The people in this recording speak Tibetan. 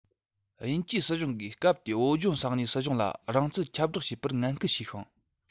དབྱིན ཇི སྲིད གཞུང གིས སྐབས དེའི བོད ལྗོངས ས གནས སྲིད གཞུང ལ རང བཙན ཁྱབ བསྒྲགས བྱེད པར ངན སྐུལ བྱས ཤིང